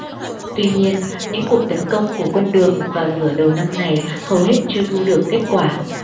tuy nhiên những cuộc tấn công của quân đường vào nửa đầu năm này hầu hết chưa thu được kết quả